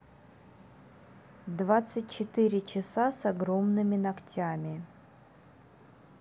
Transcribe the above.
двадцать четыре часа с огромными ногтями